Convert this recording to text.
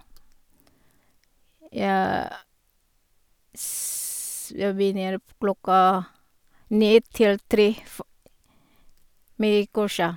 jeg s Jeg begynner p klokka ni til tre fo med kurset.